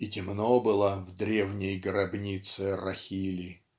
И темно было в древней гробнице Рахили.